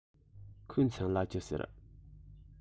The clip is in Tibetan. ཁོའི མཚན ལ ཅི ཟེར